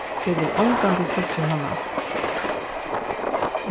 eg vil ongantíð síggja hana aftur